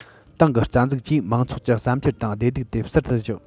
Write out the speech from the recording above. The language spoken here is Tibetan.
ཏང གི རྩ འཛུགས ཀྱིས མང ཚོགས ཀྱི བསམ འཆར དང བདེ སྡུག དེ ཟུར དུ བཞག